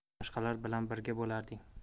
boshqalar bilan birga bo'larding